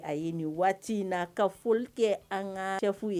A ye nin waati in na a ka foli kɛ an ka kɛ ye